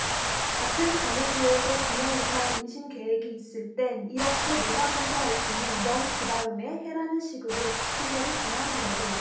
같은 간호부에서 두 명 이상 임신 계획이 있을 땐 이렇게 내가 먼저 할 테니 넌 그다음에 해라는 식으로 순서를 정하는 거죠